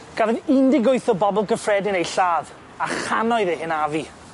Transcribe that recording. Gafodd un deg wyth o bobol gyffredin eu lladd a channoedd eu hynafu.